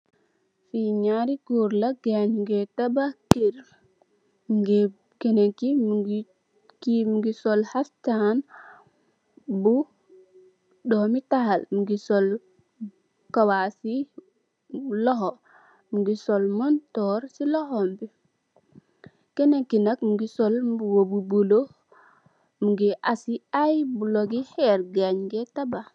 Fii ñaari gór la, ngayi ñu ngee tabax kèr, ki mungii sol xaptan bu doomi tahal mungii sol kawas yi loxo, mungii sol montórr ci loxom bi. Kenen ki nak mugii sol mbuba bu bula mungii assi ay bulok gi xeer ngayi ñi ngee tabax.